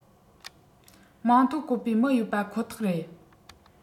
མིང ཐོ བཀོད པའི མི ཡོད པ ཁོ ཐག རེད